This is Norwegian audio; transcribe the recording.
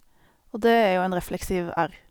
Og det er jo en refleksiv r.